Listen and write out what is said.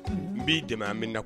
N bi dɛmɛ an bi na